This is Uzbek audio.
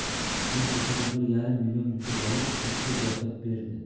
bir kechada bir yarim million yutib olib katta ziyofat berdi